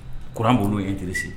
Kuran bolo ye teri se